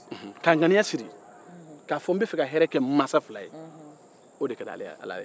k'a ŋaniya siri k'a fɔ n bɛ fɛ ka hɛrɛ kɛ n mansa fila ye o de ka di ala ye kojugu